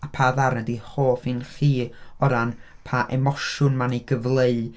Pa ddarn ydi hoff un chi o ran pa emosiwn mae o'n ei gyfleu.